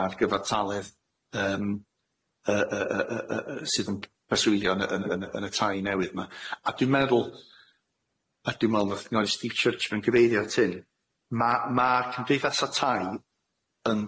fysa'r gyfartaledd yym yy yy yy yy yy yy sydd yn preswylio yn y yn y yn y tai newydd ma a dwi'n meddwl a dwi'n meddwl nath ngoi Steve Church mewn cyfeirio at hyn ma' ma' cymdeithasa' tai yn